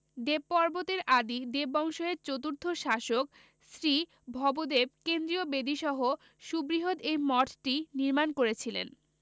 দেবপর্বত এর আদি দেব বংশ এর চতুর্থ শাসক শ্রী ভবদেব কেন্দ্রীয় বেদিসহ সুবৃহৎ এই মঠটি নির্মাণ করেছিলেন